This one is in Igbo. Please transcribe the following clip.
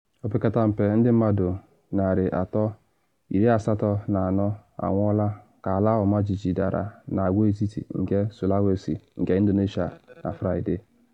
Opekata mpe ndị mmadụ 384 anwụọla ka ala ọmajiji dara na agwaetiti nke Sulawesi nke Indonesia na Fraịde.